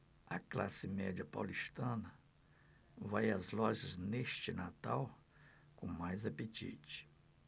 a classe média paulistana vai às lojas neste natal com mais apetite